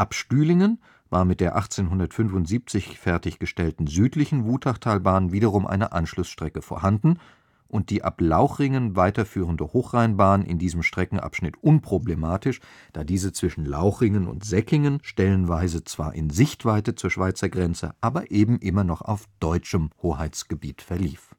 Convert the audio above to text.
Stühlingen war mit der 1875 fertiggestellten südlichen Wutachtalbahn wiederum eine Anschlussstrecke vorhanden und die ab Lauchringen weiterführende Hochrheinbahn in diesem Streckenabschnitt unproblematisch, da diese zwischen Lauchringen und Säckingen stellenweise zwar in Sichtweite zur Schweizer Grenze, aber eben immer noch auf deutschem Hoheitsgebiet verlief